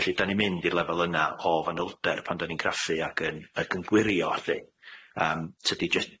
Felly 'dan ni'n mynd i'r lefel yna o fanylder pan 'dan ni'n craffu ag yn ag yn gwirio lly yym tydi jes